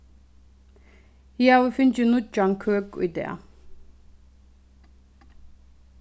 eg havi fingið nýggjan køk í dag